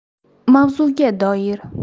mavzuga doir